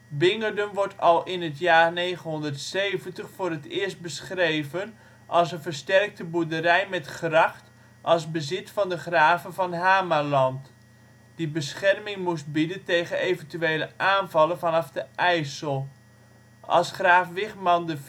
Bingerden wordt al in het jaar 970 voor het eerst beschreven als een versterkte boerderij met gracht als bezit van de graven van Hamaland, die bescherming moest bieden tegen eventuele aanvallen vanaf de IJssel. Als graaf Wichman IV het